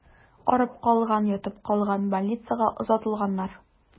Арып калган, ятып калган, больницага озатылганнар.